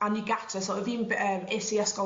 a o'n i gatre so o' fi'n b- yym es i ysgol...